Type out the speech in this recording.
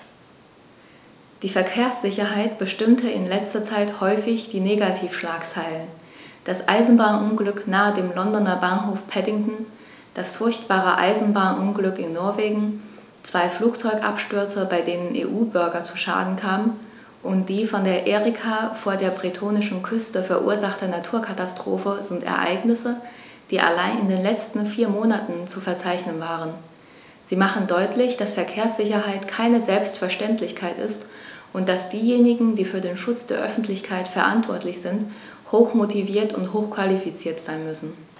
Die Verkehrssicherheit bestimmte in letzter Zeit häufig die Negativschlagzeilen: Das Eisenbahnunglück nahe dem Londoner Bahnhof Paddington, das furchtbare Eisenbahnunglück in Norwegen, zwei Flugzeugabstürze, bei denen EU-Bürger zu Schaden kamen, und die von der Erika vor der bretonischen Küste verursachte Naturkatastrophe sind Ereignisse, die allein in den letzten vier Monaten zu verzeichnen waren. Sie machen deutlich, dass Verkehrssicherheit keine Selbstverständlichkeit ist und dass diejenigen, die für den Schutz der Öffentlichkeit verantwortlich sind, hochmotiviert und hochqualifiziert sein müssen.